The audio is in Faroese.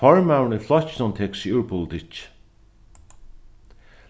formaðurin í flokkinum tekur seg úr politikki